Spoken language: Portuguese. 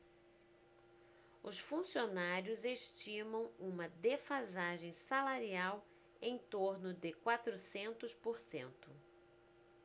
os funcionários estimam uma defasagem salarial em torno de quatrocentos por cento